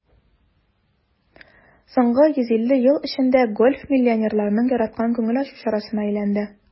Соңгы 150 ел эчендә гольф миллионерларның яраткан күңел ачу чарасына әйләнде.